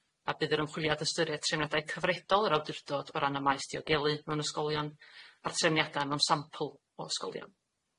A bydd yr ymchwiliad yn ystyried trefniadau cyfredol yr awdurdod o ran y maes diogelu mewn ysgolion a'r trefniada mewn sampl o ysgolion.